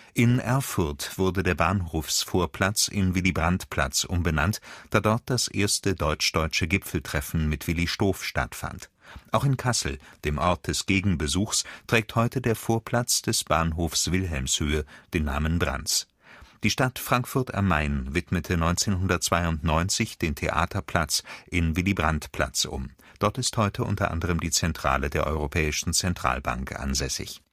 In Erfurt wurde der Bahnhofsvorplatz in Willy-Brandt-Platz umbenannt, da dort das erste deutsch-deutsche Gipfeltreffen mit Willi Stoph stattfand. Auch in Kassel, dem Ort des Gegenbesuchs, trägt heute der Vorplatz des Bahnhofs Wilhelmshöhe den Namen Brandts. Die Stadt Frankfurt am Main widmete 1992 den Theaterplatz in Willy-Brandt-Platz um. Dort ist heute unter anderem die Zentrale der Europäischen Zentralbank ansässig